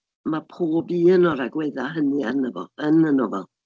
Mae pob un o'r agweddau hynny ynddo fo, yn y nofel.